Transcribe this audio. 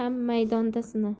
erni ham maydonda sina